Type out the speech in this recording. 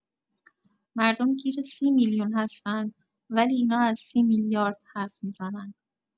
مردم گیر ۳۰ میلیون هستن ولی اینا از ۳۰ میلیارد حرف می‌زنن.